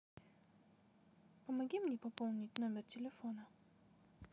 помоги мне пополнить номер телефона